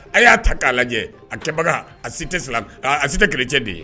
A y'a ta k'a lajɛ akɛbaga a si tɛ a si tɛ kɛlɛcɛ de ye